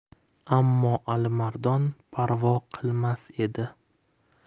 ammo alimardon parvo qilmasdi edi